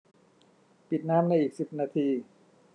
ปิดน้ำในอีกสิบนาที